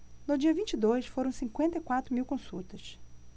no dia vinte e dois foram cinquenta e quatro mil consultas